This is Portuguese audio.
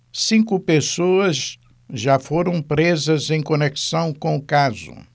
cinco pessoas já foram presas em conexão com o caso